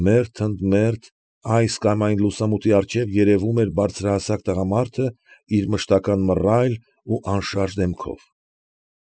Մերթ ընդ մերթ այս կամ այն լուսամուտի մոտ էրևում էր բարձրահասակ տղամարդը իր մշտական մռայլ ու անշարժ դեմքով։